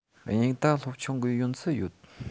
དབྱིན ཡིག ད སློབ ཆུང གི ཡོན ཚད ཡོད